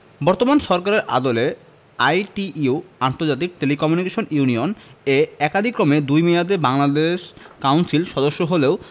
বর্তমান সরকারের আমলে আইটিইউ আন্তর্জাতিক টেলিকমিউনিকেশন ইউনিয়ন এ একাদিক্রমে দুই মেয়াদে বাংলাদেশ কাউন্সিল সদস্য হলেও